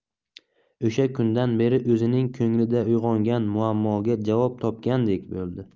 o'sha kundan beri o'zining ko'nglida uyg'ongan muammoga javob topgandek bo'ldi